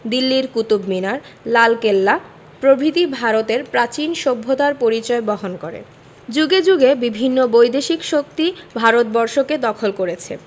দিল্লির কুতুব মিনার লালকেল্লা প্রভৃতি ভারতের প্রাচীন সভ্যতার পরিচয় বহন করে যুগে যুগে বিভিন্ন বৈদেশিক শক্তি ভারতবর্ষকে দখল করেছে